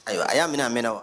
Ayiwa a y'a minɛ a mɛnna